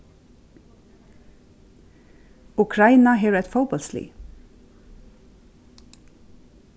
ukraina hevur eitt fótbóltslið